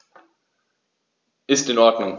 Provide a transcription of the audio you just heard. Ist in Ordnung.